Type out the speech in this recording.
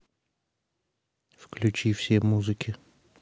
включи все музыки